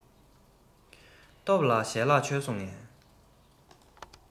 སྟོབས ལགས ཞལ ལག མཆོད སོང ངས